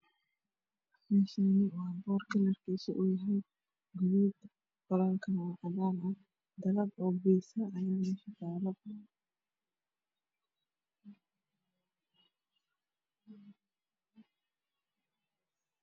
Meshan waa boor kalarkis yahay gaduud banankan cadan ah dalad biss ah aya mesha talo